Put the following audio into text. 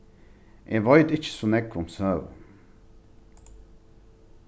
eg veit ikki so nógv um søgu